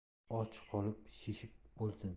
och qolib shishib o'lsin